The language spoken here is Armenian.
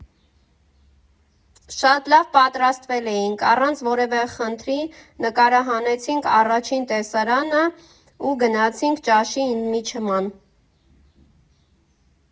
Շատ լավ պատրաստվել էինք, առանց որևէ խնդրի նկարահանեցինք առաջին տեսարանը ու գնացինք ճաշի ընդմիջման։